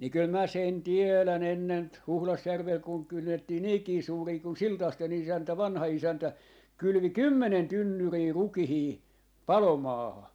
niin kyllä minä sen tiedän ennen - Huhdasjärvellä kun kynnettiin niinkin suuria kun Siltasten isäntä vanha isäntä kylvi kymmenen tynnyriä rukiita palomaahan